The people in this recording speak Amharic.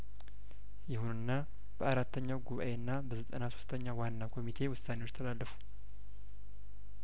ይሁንና በአራተኛው ጉባኤና በዘጠና ሶስተኛ ዋና ኮሚቴ ውሳኔዎች ተላለፉ